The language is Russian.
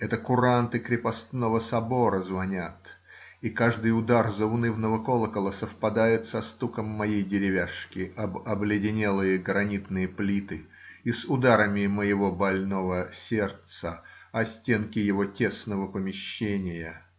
Это куранты крепостного собора звонят, и каждый удар заунывного колокола совпадает со стуком моей деревяшки об обледенелые гранитные плиты и с ударами моего больного сердца о стенки его тесного помещения.